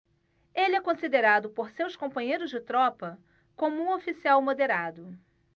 ele é considerado por seus companheiros de tropa como um oficial moderado